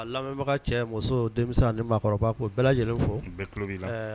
A lamɛnbaga cɛ muso denmisɛn ani maakɔrɔba k'u bɛɛ lajɛlen fo u bɛɛ tulo b'i la ɛɛ